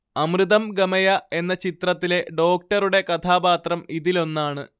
അമൃതം‌ ഗമയ എന്ന ചിത്രത്തിലെ ഡോക്ടറുടെ കഥാപാത്രം ഇതിലൊന്നാണ്